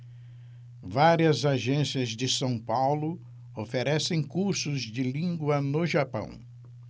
várias agências de são paulo oferecem cursos de língua no japão